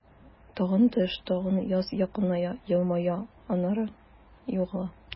Тагын төш, таныш йөз якыная, елмая, аннан югала.